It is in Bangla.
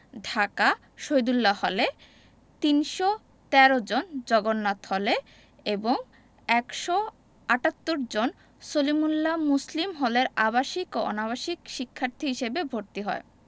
ঢাকা শহীদুল্লাহ হলে ৩১৩ জন জগন্নাথ হলে এবং ১৭৮ জন সলিমুল্লাহ মুসলিম হলের আবাসিক ও অনাবাসিক শিক্ষার্থী হিসেবে ভর্তি হয়